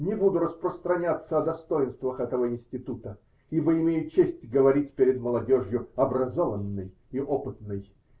Не буду распространяться о достоинствах этого института, ибо имею честь говорить перед молодежью образованной -- и опытной.